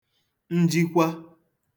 njikwa